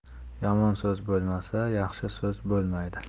yomon so'z bo'lmasa yaxshi so'z bo'lmaydi